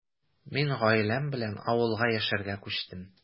Мин гаиләм белән авылга яшәргә күчтем.